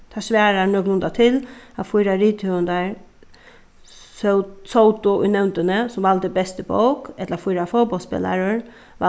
tað svarar nøkulunda til at fýra rithøvundar sótu í nevndini sum valdu bestu bók ella fýra fótbóltsspælarar